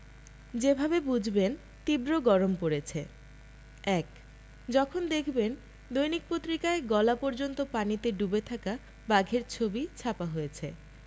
যেভাবে বুঝবেন তীব্র গরম পড়েছে ১. যখন দেখবেন দৈনিক পত্রিকায় গলা পর্যন্ত পানিতে ডুবে থাকা বাঘের ছবি ছাপা হয়েছে